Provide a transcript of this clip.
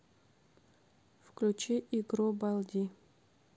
включи игру балди